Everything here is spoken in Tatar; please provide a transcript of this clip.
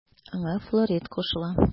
Аңа Флорид кушыла.